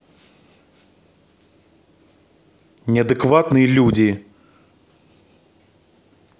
неадекватные люди